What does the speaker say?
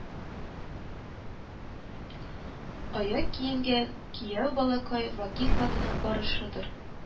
Аяк киенгән кияү балакай, вәкил катына барышыдыр